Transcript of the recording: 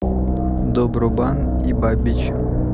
добробан и бабич